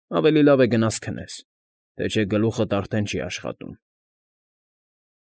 Ավելի լավ է գնաս քնես, թե չէ գլուխդ արդեն չի աշխատում։